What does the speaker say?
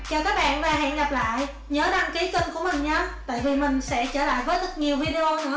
chào các bạn và hẹn gặp lại nhớ đăng ký kênh của mình nhé tại vì mình sẽ trở lại với thật nhiều video nữa